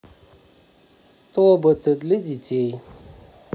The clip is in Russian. тоботы для детей